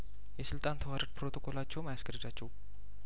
የስልጣን ተዋረድ ፕሮቶኮላቸውም አያስገድዳቸውም